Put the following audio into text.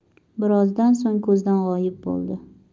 birozdan so'ng ko'zdan g'oyib bo'ldi